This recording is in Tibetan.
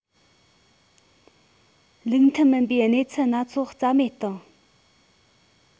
ལུགས མཐུན མིན པའི གནས ཚུལ སྣ ཚོགས རྩ མེད བཏང